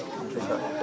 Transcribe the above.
ak bisaab